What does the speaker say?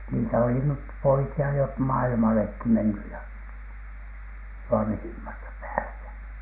niitä oli nyt poikia jo - maailmallekin mennyt ja vanhimmasta päästä